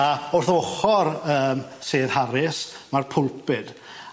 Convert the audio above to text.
A wrth ochor yym sedd Harris ma'r pwlpid.